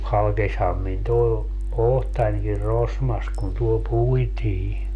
halkesihan minun tuo otsanikin rosmassa kun tuolla puitiin